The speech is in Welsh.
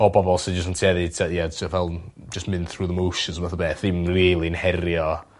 o bobol sy jyst yn tueddi t'o' ie t'o fel jyst mynd through the motions fath o beth ddim rili'n herio